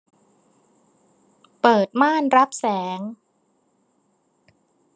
เปิดม่านรับแสง